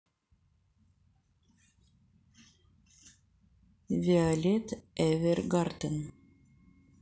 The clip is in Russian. вайолет эвергарден